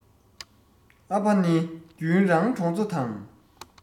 ཨ ཕ ནི རྒྱུན རང གྲོང ཚོ དང